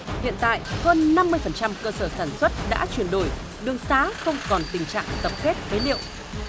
hiện tại hơn năm mươi phần trăm cơ sở sản xuất đã chuyển đổi đường xá không còn tình trạng tập kết phế liệu